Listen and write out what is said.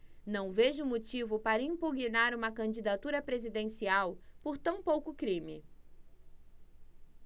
não vejo motivo para impugnar uma candidatura presidencial por tão pouco crime